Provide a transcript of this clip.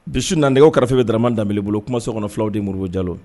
Bi na nɛgɛ kɛrɛ kɛrɛfɛfe bɛ dman danbeb bolo kumaso kɔnɔ fulaw de muruuru jalo